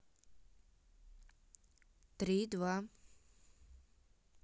три два